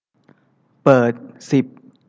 เปิดสิบ